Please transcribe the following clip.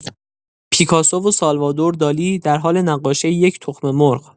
پیکاسو و سالوادور دالی در حال نقاشی یک تخم‌مرغ!